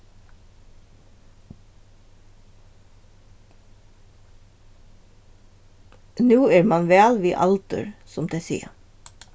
nú er man væl við aldur sum tey siga